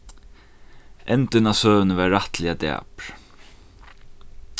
endin á søguni var rættiliga dapur